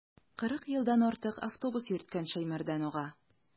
Кырык елдан артык автобус йөрткән Шәймәрдан ага.